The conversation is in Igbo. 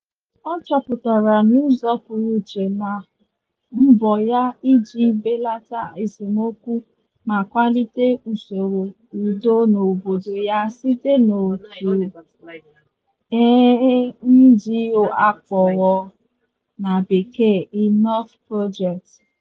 Ọ chọpụtara n'ụzọ pụrụ iche na mbọ ya iji belata esemokwu ma kwalite usoro udo n'obodo ya site n'òtù NGO a kpọrọ Enough Project.